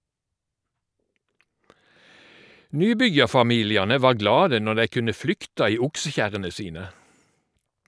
Nybyggjarfamiliane var glade når dei kunne flykta i oksekjerrene sine.